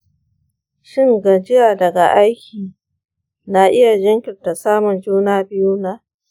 shin gajiya daga aiki na iya jinkirta samun juna biyu na?